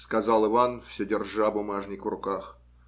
сказал Иван, все держа бумажник в руках,